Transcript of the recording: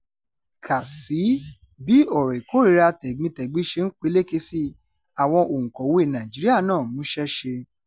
Kà sí i: Bí ọ̀rọ̀ ìkórìíra tẹ̀gbintẹ̀gbin ṣe ń peléke sí i, àwọn òǹkọ̀wée Nàìjíríà náà múṣẹ́ ṣe